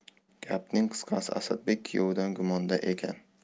gapning qisqasi asadbek kuyovidan gumonda ekan